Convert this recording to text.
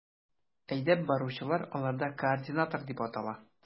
Әйдәп баручылар аларда координатор дип атала.